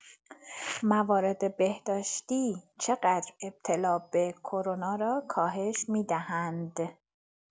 موارد بهداشتی چقدر ابتلا به کرونا را کاهش می‌دهند؟